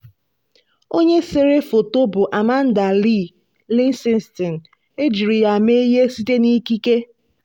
Onye sere Foto bụ Amanda Leigh Lichtenstein, e jiri ya mee ihe site n'ikike.